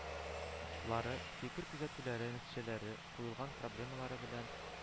Лары, фикер-күзәтүләре, нәтиҗәләре, куелган проблемалары белән